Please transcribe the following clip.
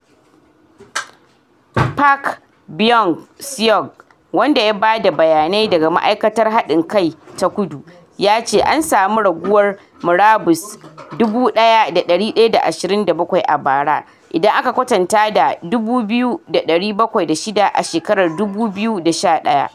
Park Byeong-seug, wanda ya bada bayanai daga ma'aikatar hadin kai ta Kudu, ya ce an samu raguwar murabus 1,127 a bara - idan aka kwatanta da 2,706 a shekarar 2011.